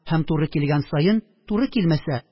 Һәм, туры килгән саен, туры килмәсә,